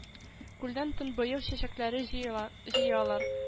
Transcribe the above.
Күлдән төнбоек чәчәкләре җыела җыялар